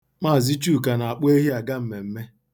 Mz. Chuka na-akpụ ehi aga mmemme.